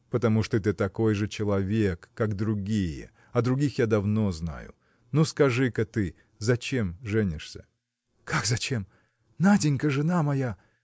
– Потому что ты такой же человек, как другие, а других я давно знаю. Ну, скажи-ка ты, зачем женишься? – Как зачем! Наденька – жена моя!